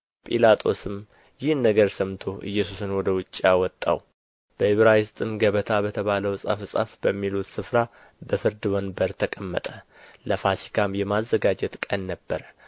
ጲላጦስም ይህን ነገር ሰምቶ ኢየሱስን ወደ ውጭ አወጣው በዕብራይስጥም ገበታ በተባለው ጸፍጸፍ በሚሉት ስፍራ በፍርድ ወንበር ተቀመጠ ለፋሲካም የማዘጋጀት ቀን ነበረ